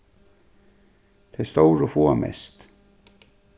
tey stóru fáa mest